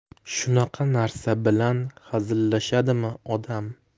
shunaqa narsa bilan hazillashadimi odam